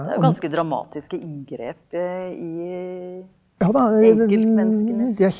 det er jo ganske dramatiske inngrep i enkeltmenneskenes.